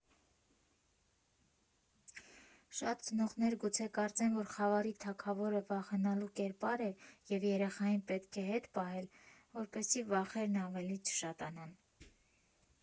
Շատ ծնողներ գուցե կարծեն, որ «Խավարի թագավորը» վախենալու կերպար է, և երեխային պետք է հետ պահել, որպեսզի վախերն ավելի չշատանան։